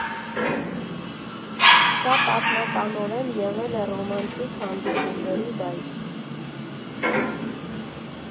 Սա պատմականորեն եղել է ռոմանտիկ հանդիպումների վայր։